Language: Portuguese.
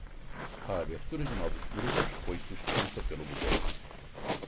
a abertura de novos grupos foi suspensa pelo governo